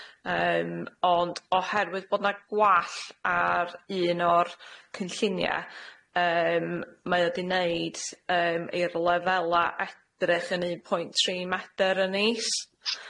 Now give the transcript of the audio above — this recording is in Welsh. Yym, ond oherwydd bod 'na gwall ar un o'r cynllunia', yym mae o 'di neud yym i'r lefela' edrych yn un pwynt tri medr yn is,